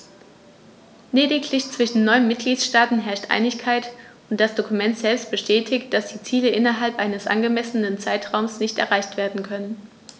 Lediglich zwischen neun Mitgliedsstaaten herrscht Einigkeit, und das Dokument selbst bestätigt, dass die Ziele innerhalb eines angemessenen Zeitraums nicht erreicht werden können.